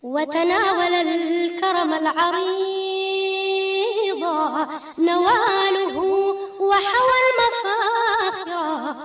Wa wagatilikɔrɔ bɔ naamubugu wa ma